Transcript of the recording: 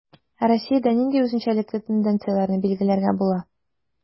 Ә Россиядә нинди үзенчәлекле тенденцияләрне билгеләргә була?